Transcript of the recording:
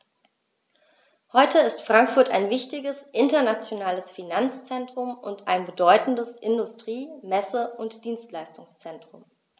Heute ist Frankfurt ein wichtiges, internationales Finanzzentrum und ein bedeutendes Industrie-, Messe- und Dienstleistungszentrum.